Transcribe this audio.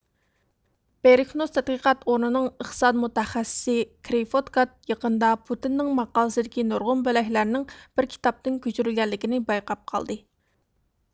بېروكنس تەتقىقات ئورنىنىڭ ئىقتىسادىي مۇتەخەسسىسى كرىفودكاد يېقىندا پۇتىننىڭ ماقالىسىدىكى نۇرغۇن بۆلەكلەرنىڭ بىر كىتابتىن كۆچۈرۈلگەنلىكىنى بايقاپ قالدى